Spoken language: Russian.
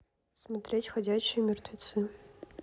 смотреть ходячие мертвецы